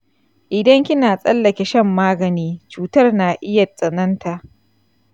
idan kina tsallake shan magani, cutar na iya tsananta.